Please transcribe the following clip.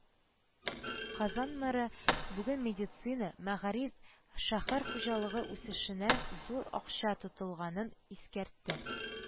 Казан мэры бүген медицина, мәгариф, шәһәр хуҗалыгы үсешенә зур акча тотылганын искәртте